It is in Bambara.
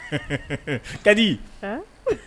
Ka di